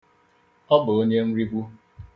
Ọ bụ onyenrigbu.